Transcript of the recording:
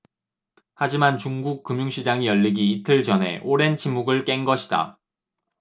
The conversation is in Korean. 하지만 중국 금융시장이 열리기 이틀 전에 오랜 침묵을 깬 것이다